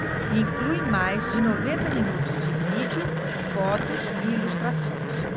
inclui mais de noventa minutos de vídeo fotos e ilustrações